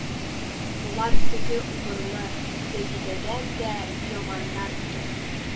Болар теге убырлы Зәбидәдән дә яманнар икән, ди